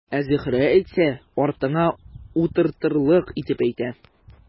Ә Зөһрә әйтсә, артыңа утыртырлык итеп әйтә.